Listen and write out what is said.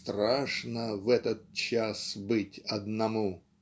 страшно -- в этот час быть одному").